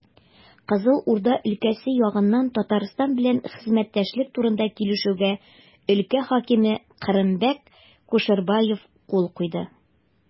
Кызыл Урда өлкәсе ягыннан Татарстан белән хезмәттәшлек турында килешүгә өлкә хакиме Кырымбәк Кушербаев кул куйды.